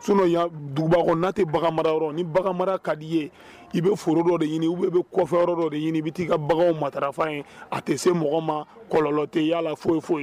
Dugubatɛ ni bagan ka di i ye i bɛ foro dɔ de ɲini bɛ kɔfɛ yɔrɔ dɔ de ɲini i bɛ taa i ka bagan matarafan ye a tɛ se mɔgɔ ma kɔlɔnlɔ tɛ yalala foyi foyi